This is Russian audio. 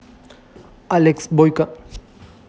алекс бойко